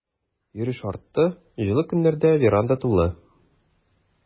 Йөреш артты, җылы көннәрдә веранда тулы.